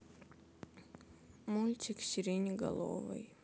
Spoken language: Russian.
мультик сиреноголовый